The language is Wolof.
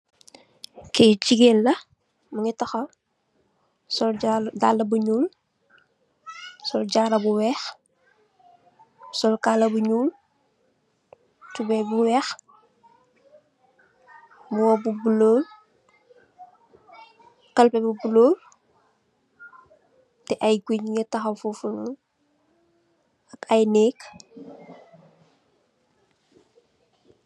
Kii jigeen la, mu gi taxaw, sol dalla bu nyuul, sol jaaru bu weex, sol kaala bu nyuul, tubooy bu weex, mbubba bu bulo, kalpe bu bulo. Ta ay guy nyu ngi taxaw foo fu noon ak ay neek.